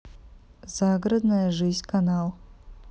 загородная жизнь канал